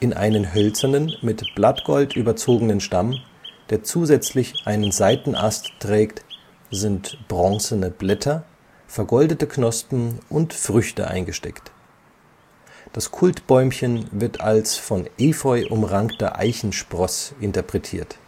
In einen hölzernen, mit Blattgold überzogenen Stamm, der zusätzlich einen Seitenast trägt, sind bronzene Blätter (Efeu), vergoldete Knospen und Früchte (Eicheln) eingesteckt. Das Kultbäumchen wird als von Efeu umrankter Eichenspross interpretiert